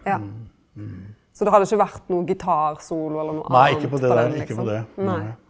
ja så det hadde ikkje vore nokon gitarsolo eller noko anna på den liksom nei.